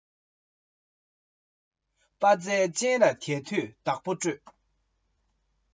དཔའ རྩལ ཅན ལ དལ དུས བདག པོ སྤྲོད